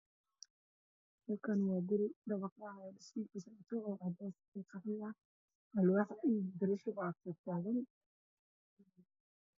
Waa guri dhismo ku socdo oo alwaax ka sameysan iyo baro